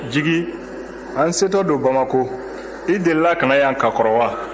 jigi an setɔ don bamakɔ i delila ka na yan ka kɔrɔ wa